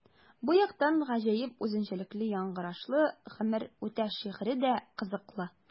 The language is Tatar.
Бу яктан гаҗәеп үзенчәлекле яңгырашлы “Гомер үтә” шигыре дә кызыклы.